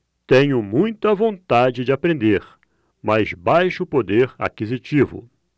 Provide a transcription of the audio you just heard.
tenho muita vontade de aprender mas baixo poder aquisitivo